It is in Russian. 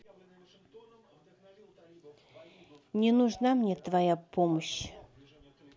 не нужна мне твоя помощь